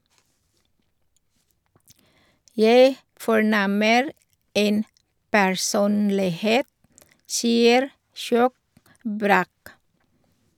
Jeg fornemmer en personlighet, sier Skjåk Bræk.